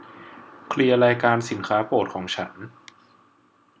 เคลียร์รายการสินค้าโปรดของฉัน